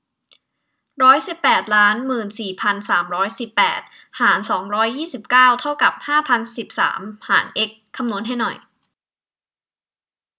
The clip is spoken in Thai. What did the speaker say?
ร้อยสิบแปดล้านสามหมื่นสี่พันสามร้อยสิบแปดหารสองร้อยยี่สิบเก้าเท่ากับห้าพันสิบสามหารเอ็กซ์คำนวณให้หน่อย